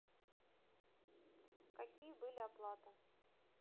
какие были оплаты